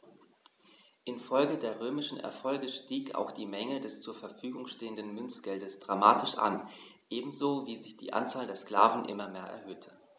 Infolge der römischen Erfolge stieg auch die Menge des zur Verfügung stehenden Münzgeldes dramatisch an, ebenso wie sich die Anzahl der Sklaven immer mehr erhöhte.